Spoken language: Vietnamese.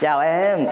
chào em